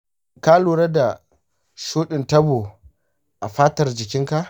shin ka lura da shuɗin tabo a fatar jikinka?